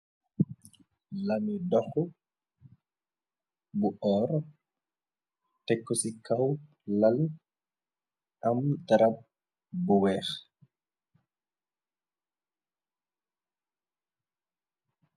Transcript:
Lami doxu bu oor. Teko ci kaw lal am darab bu weex.